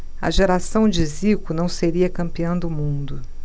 a geração de zico não seria campeã do mundo